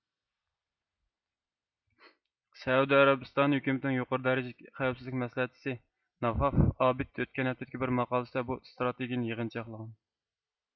سەئۇدى ئەرەبىستانى ھۆكۈمىتىنىڭ يۇقىرى دەرىجىلىك خەۋپسىزلىك مەسلىھەتچىسى ناۋاف ئابىد ئۆتكەن ھەپتىدىكى بىر ماقالىسىدە بۇ ئىستراتېگىيىنى يىغىنچاقلىغان